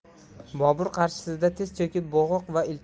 bobur qarshisida tiz cho'kib bo'g'iq va